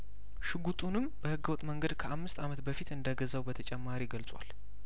ሽጉጡንም በህገወጥ መንገድ ከአምስት አመት በፊት እንደገዛው በተጨማሪ ገልጿል